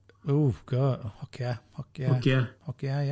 O, go- hogia, hogia Hogia Hogia Hogia, ie.